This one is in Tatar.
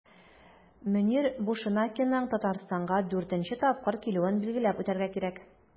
Мөнир Бушенакиның Татарстанга 4 нче тапкыр килүен билгеләп үтәргә кирәк.